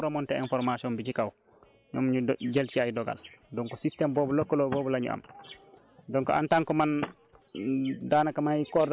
léegi nous à notre niveau suñuko mënoon saafara ñu gaaw remonter information bi ci kaw ñoom ñu jël ci ay dogal donc système boobu lëkkaloo boobu la ñu am